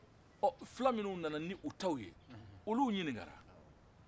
ɔ fula minnu nana ni utaw ye olu ɲinikara